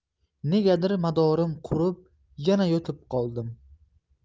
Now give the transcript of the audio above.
negadir madorim qurib yana yotib qoldim